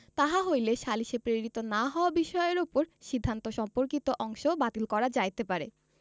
তাহা হইলে সালিসে প্রেরিত না হওয়া বিষয়ের উপর সিদ্ধান্ত সম্পর্কিত অংশ বাতিল করা যাইতে পারে